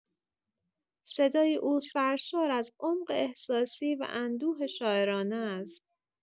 صدای او سرشار از عمق احساسی و اندوه شاعرانه است.